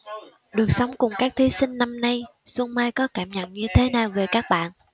được sống cùng các thí sinh năm nay xuân mai có cảm nhận như thế nào về các bạn